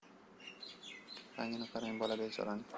rangini qarang bola bechorani